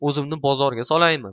o'zimmi bozorga solaymi